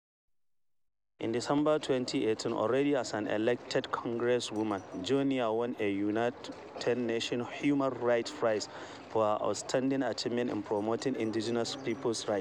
In December 2018, already as an elected congresswoman, Joenia won a UN human rights prize for her outstanding achievement in promoting indigenous peoples’ rights.